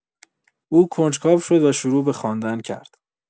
او کنجکاو شد و شروع به خواندن کرد.